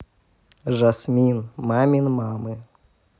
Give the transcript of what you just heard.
жасмин мамин мамы